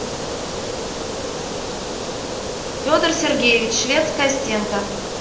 федор сергеевич шведская стенка